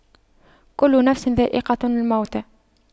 كُلُّ نَفسٍ ذَائِقَةُ المَوتِ